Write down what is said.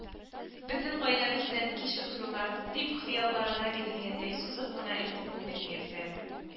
Бөтен гаиләбез белән кич утырулар,—дип хыялларына бирелгәндәй сузып кына әйтеп куйды мияссәрә